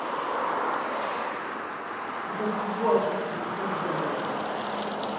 да хватит тебе сказали